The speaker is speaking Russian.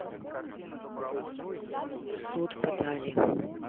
в суд подали